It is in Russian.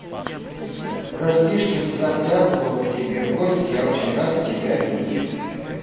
прости что не заглядывала к тебе в гости я очень рада тебя видеть